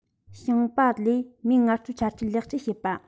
ཞིང པ ལས མིའི ངལ རྩོལ ཆ རྐྱེན ལེགས བཅོས བྱེད པ